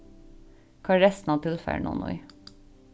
koyr restina av tilfarinum í